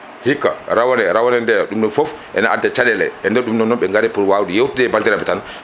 hikka rawane rawane ndeya ɗum ɗon foof ene adda caɗele e nder ɗum ɗo noon ɓe gaari ko wawde yewtude pour wawde yewtude e bandiraɓe tan